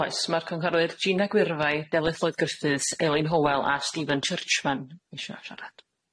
Oes ma'r cyngorwyr Gina Gwirfai, Delyth Lloyd Griffiths, Elin Hywel a Stephen Churchman isio siarad.